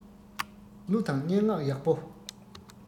གླུ དང སྙན ངག ཡག པོ